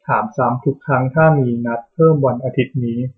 ถามซ้ำทุกครั้งถ้ามีนัดเพิ่มวันอาทิตย์นี้